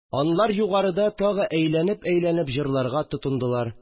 Алар югарыда тагы әйләнеп-әйләнеп җырларга тотындылар